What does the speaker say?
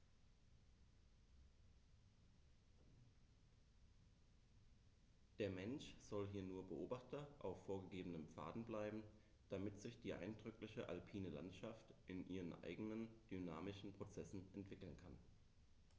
Der Mensch soll hier nur Beobachter auf vorgegebenen Pfaden bleiben, damit sich die eindrückliche alpine Landschaft in ihren eigenen dynamischen Prozessen entwickeln kann.